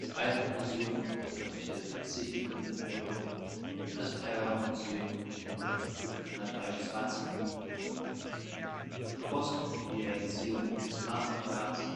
Alte Museum etwa 74 Millionen Euro und das Pergamonmuseum etwa 523 Millionen Euro. Die Kosten für die Realisierung des Masterplans